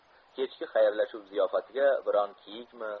kechki xayrlashuv ziyofatiga biron kiyikmi